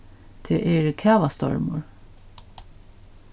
tað er kavastormur